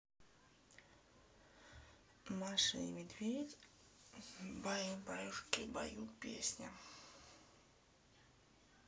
маша медведь баю баюшки баю песня